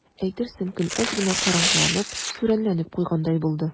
Әйтерсең, көн әз генә караңгыланып, сүрәнләнеп куйгандай булды.